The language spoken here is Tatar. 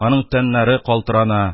Аның тәннәре калтырана,